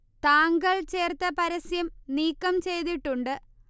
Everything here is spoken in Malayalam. താങ്കൾ ചേർത്ത പരസ്യം നീക്കം ചെയ്തിട്ടുണ്ട്